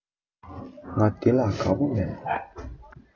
ང འདི ལ དགའ པོ མེད